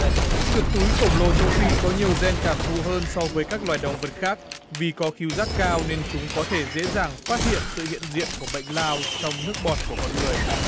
chuột túi khổng lồ châu phi có nhiều gien cảm thụ hơn so với các loài động vật khác vì có khứu giác cao nên chúng có thể dễ dàng phát hiện sự hiện diện của bệnh lao trong nước bọt của con người